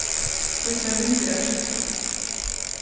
vís mær myndir av kettum